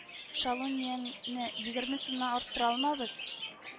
Щалунияңне егерме сумнан арттыра алмабыз